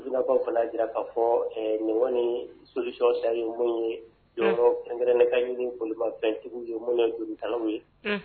Dunanina fana jira k'a fɔ nin ɲɔgɔn ni sodisi sariya ye ye jɔyɔrɔ fɛnkɛrɛn ne kaɲiniolibafɛntigiw ye mɔnɛ duurukaw ye